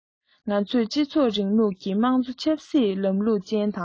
ང ཚོས སྤྱི ཚོགས རིང ལུགས ཀྱི དམངས གཙོ ཆབ སྲིད ལམ ལུགས ཅན དང